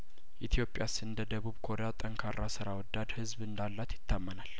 ኢትዮጵያስ እንደደቡብ ኮሪያ ጠንካራ ስራ ወዳድ ህዝብ እንዳላት ይታመናል